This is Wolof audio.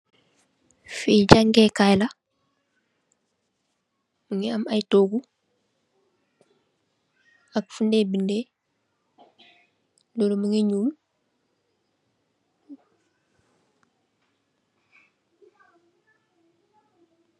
Fii jaangeh kaii la, mungy am aiiy tohgu, ak fingh dae bindeh, lolu mungy njull.